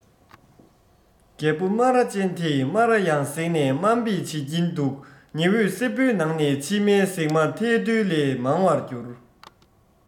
རྒད པོ སྨ ར ཅན དེས སྨ ར ཡང གཟེངས ནས དམའ འབེབས བྱེད ཀྱིན འདུག ཉི འོད སེར པོའི ནང ན མཆིལ མའི ཟེགས མ ཐལ རྡུལ ལས མང བར གྱུར